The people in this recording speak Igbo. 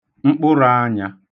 mkpụrụ̄anyā